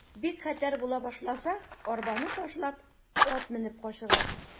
Бик хәтәр була башласа, арбаны ташлап, ат менеп качыгыз.